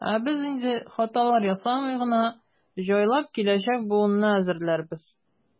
Ә без инде, хаталар ясамый гына, җайлап киләчәк буынны әзерләрбез.